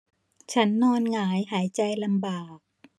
ฉันนอนหงายหายใจลำบาก